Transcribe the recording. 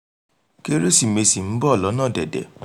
Kérésìmesì ń bọ̀ lọ́nà dẹ̀dẹ̀.